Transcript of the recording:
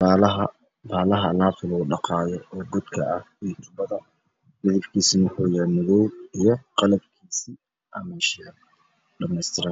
Bahala alaabta lagu dhaqaya godka ah iyo tubada midabkiisa wuxuu yahay madow qalabkiisa oo dhamays tiran